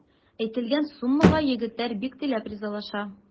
Әйтелгән суммага егетләр бик теләп ризалаша.